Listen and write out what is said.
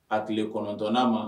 A tile 9 nan ma